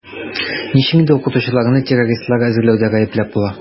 Ничек инде укытучыларны террористлар әзерләүдә гаепләп була?